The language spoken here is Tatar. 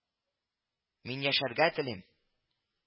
Мин яшәргә телим